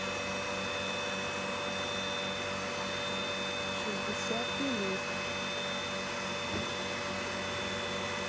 шестьдесят минут